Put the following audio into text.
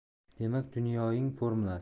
demak dunyoning formulasi